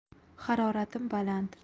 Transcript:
haroratim baland